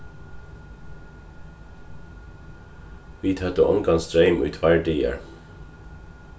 vit høvdu ongan streym í tveir dagar